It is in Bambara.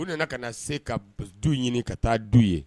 U nana ka na se ka du ɲini ka taa du ye